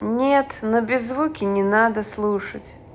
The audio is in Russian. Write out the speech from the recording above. нет на беззвуке не надо слушать